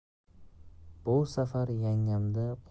bu safar yangamni